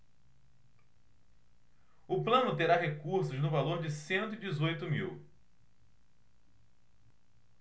o plano terá recursos no valor de cento e dezoito mil